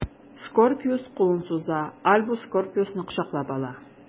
Скорпиус кулын суза, Альбус Скорпиусны кочаклап ала.